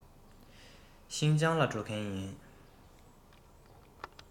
ཤིན ཅང ལ འགྲོ མཁན ཡིན